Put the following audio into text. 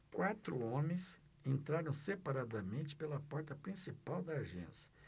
quatro homens entraram separadamente pela porta principal da agência